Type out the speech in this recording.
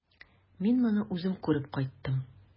Мин моны үзем күреп кайттым.